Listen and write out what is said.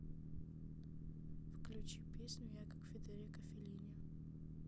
включи песню я как федерико феллини